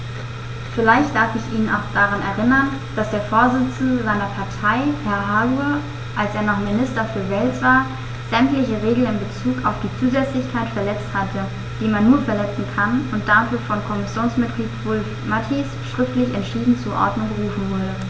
Vielleicht darf ich ihn auch daran erinnern, dass der Vorsitzende seiner Partei, Herr Hague, als er noch Minister für Wales war, sämtliche Regeln in bezug auf die Zusätzlichkeit verletzt hat, die man nur verletzen kann, und dafür von Kommissionsmitglied Wulf-Mathies schriftlich entschieden zur Ordnung gerufen wurde.